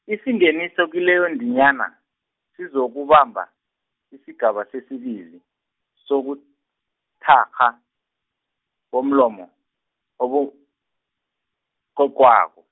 isingeniso kileyondinyana, sizokubamba, isigaba sesibili, sobuthakgha, bomlomo, obucocwako.